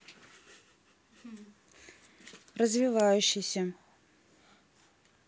развевающийся